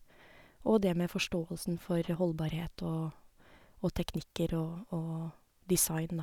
Og det med forståelsen for holdbarhet og og teknikker og og design, da.